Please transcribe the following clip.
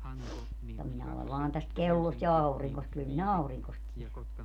mutta minä olen vain tästä kellosta ja auringosta kyllä minä auringosta tiedän